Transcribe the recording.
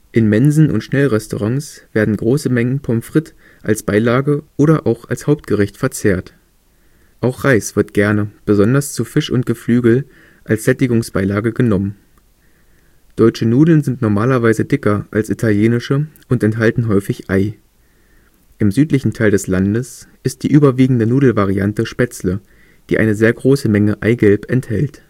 In Mensen und Schnellrestaurants werden große Mengen Pommes frites als Beilage oder auch als Hauptgericht verzehrt. Auch Reis wird gerne, besonders zu Fisch und Geflügel, als Sättigungsbeilage genommen. Deutsche Nudeln sind normalerweise dicker als italienische und enthalten häufig Ei. Im südlichen Teil des Landes ist die überwiegende Nudelvariante Spätzle, die eine sehr große Menge Eigelb enthält